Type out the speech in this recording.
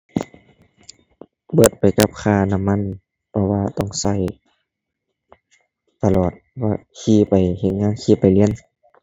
เบิดไปกับค่าน้ำมัน เพราะว่าต้องใช้ตลอด เพราะว่าขี่ไปเฮ็ดงาน ขี่ไปเรียน